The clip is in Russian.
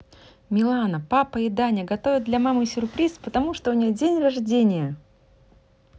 милана папа и даня готовят для мамы сюрприз потому что у нее день рождения